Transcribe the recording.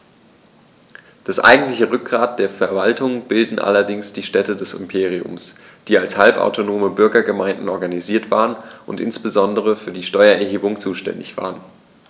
Das eigentliche Rückgrat der Verwaltung bildeten allerdings die Städte des Imperiums, die als halbautonome Bürgergemeinden organisiert waren und insbesondere für die Steuererhebung zuständig waren.